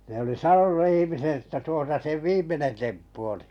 ne oli sanonut ihmiset että tuossa sen viimeinen temppu oli